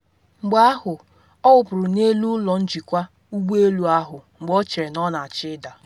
Mgbe ahụ ọ wụpụrụ n’elu ụlọ njikwa ụgbọ elu ahụ mgbe ọ chere na ọ na achọ ịda.